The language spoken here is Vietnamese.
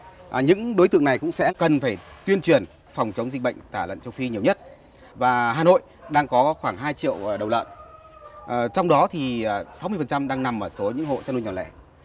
những đối tượng này cũng sẽ cần phải tuyên truyền phòng chống dịch bệnh tả lợn châu phi nhiều nhất và hà nội đang có khoảng hai triệu đầu lợn trong đó thì sáu mươi phần trăm đang nằm ở số những hộ chăn nuôi nhỏ lẻ